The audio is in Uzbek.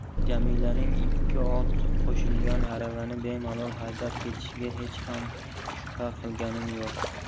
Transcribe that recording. jamilaning ikki ot qo'shilgan aravani bemalol haydab ketishiga hech ham shubha qilganim yo'q